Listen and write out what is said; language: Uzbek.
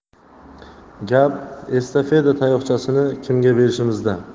gap estafeta tayoqchasini kimga berishimizda